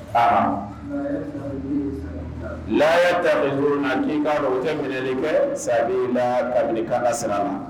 laa yattakizuna i k'a dɔn u tɛ minɛli kɛ sabiila kabini kanda sira na